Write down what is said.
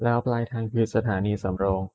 แล้วปลายทางคือสถานีสำโรง